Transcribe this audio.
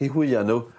'u hwya n'w